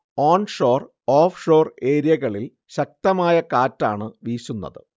onshore, offshore ഏരിയകളിൽ ശക്തമായ കാറ്റാണ് വീശുന്നത്